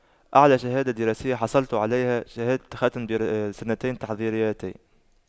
أعلى شهادة دراسية حصلت عليها شهادة ختم سنتين تحضيريتين